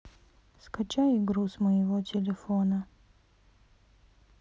скачай игру с моего телефона